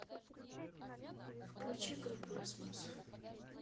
включи группу расмус